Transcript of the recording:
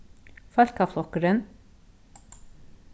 fólkaflokkurin